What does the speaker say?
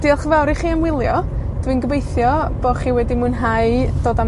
diolch yn fawr i chi am wylio. Dwi'n gobeithio bo' chi wedi mwynhau dod am